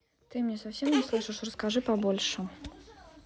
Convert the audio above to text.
ты мне совсем не слышишь расскажи побольше